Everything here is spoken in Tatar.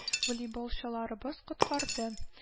Волейболчыларыбыз коткарды